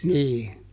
niin